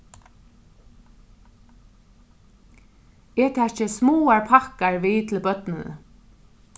eg taki smáar pakkar við til børnini